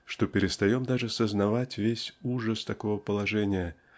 что перестаем даже сознавать весь ужас такого положения